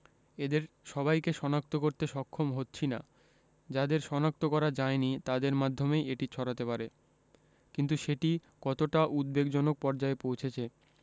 এদের সবাইকে শনাক্ত করতে সক্ষম হচ্ছি না যাদের শনাক্ত করা যায়নি তাদের মাধ্যমেই এটি ছড়াতে পারে কিন্তু সেটি কতটা উদ্বেগজনক পর্যায়ে পৌঁছেছে